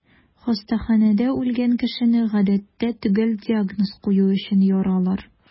Хастаханәдә үлгән кешене, гадәттә, төгәл диагноз кую өчен яралар.